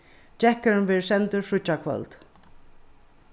gekkurin verður sendur fríggjakvøld